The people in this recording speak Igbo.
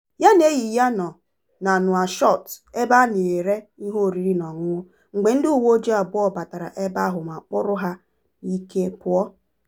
Ya na enyi ya nọ na Nouakchott ebe a na-ere ihe oriri na ọṅụṅụ mgbe ndị uweojii abụọ batara ebe ahụ ma kpụrụ ha n'ike pụọ.